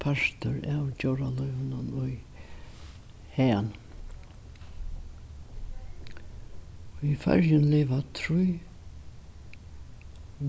partur av djóralívinum í haganum í føroyum liva trý